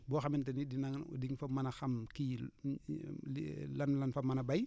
boo xamante ni dina di nga fa mën a xam kii lan lan fa mën a béy